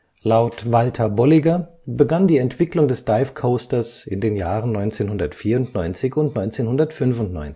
Laut Walter Bolliger begann die Entwicklung des Dive Coasters in den Jahren 1994 und 1995. Am